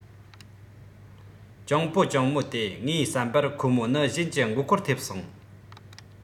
གཅུང པོ གཅུང མོ སྟེ ངའི བསམ པར ཁོ མོ ནི གཞན གྱི མགོ སྐོར ཐེབས སོང